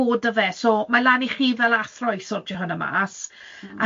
bod 'da fe, so mae lan i chi fel athro i sortio hwnna mas,